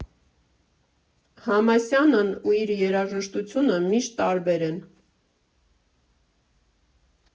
Համասյանն ու իր երաժշտությունը միշտ տարբեր են։